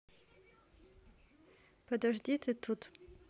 подожди ты тут